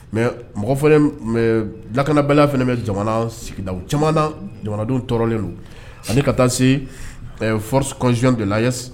Mɛ mɔgɔ lakanabalila fana bɛ jamana sigida caman na jamanadenw tɔɔrɔlen don ani ka taa se foroksɔnɔn de la